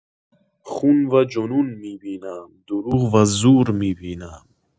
خون و جنون می‌بینم، دروغ و زور می‌بینم.